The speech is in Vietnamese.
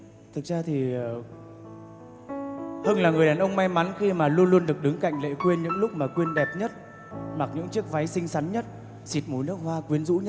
thực ra thì hưng là người đàn ông may mắn khi mà luôn luôn được đứng cạnh lệ quyên những lúc mà quyên đẹp nhất mặc những chiếc váy xinh xắn nhất xịt mùi nước hoa quyến rũ nhất